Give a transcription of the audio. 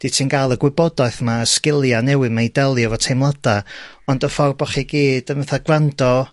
dwyt ti'n ga'l y gwybodaeth 'ma y sgilia newydd 'ma i dalio efo teimlada, ond y ffor bo' chi gyd yn fatha grando